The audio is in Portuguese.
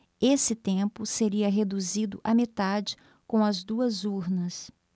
esse tempo seria reduzido à metade com as duas urnas